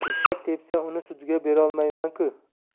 degan eshak tepsa uni sudga berolmayman ku